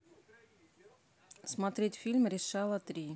смотреть фильм решала три